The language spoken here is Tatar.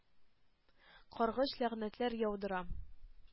Каргыш-ләгънәтләр яудырам.